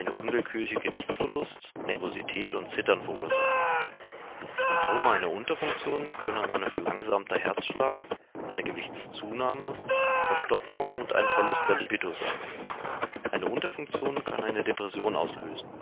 unwillkürlichen Gewichtsverlust, Nervosität und Zittern verursachen. Symptome einer Unterfunktion können ein verlangsamter Herzschlag, eine Gewichtszunahme, Verstopfung und ein Verlust der Libido sein. Eine Unterfunktion kann eine Depression auslösen